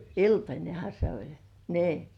iltanenhan se oli niin